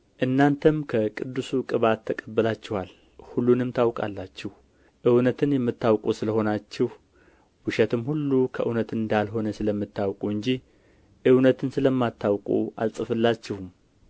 እናንተም ከቅዱሱ ቅባት ተቀብላችኋል ሁሉንም ታውቃላችሁ እውነትን የምታውቁ ስለ ሆናችሁ ውሸትም ሁሉ ከእውነት እንዳልሆነ ስለምታውቁ እንጂ እውነትን ስለማታውቁ አልጽፍላችሁም